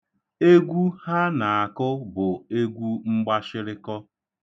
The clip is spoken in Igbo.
Egwu ha na-akụ bụ egwu mgbashịrịkọ.